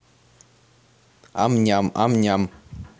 ам ням ам ням